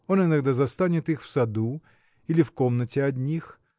Он иногда застанет их в саду или в комнате одних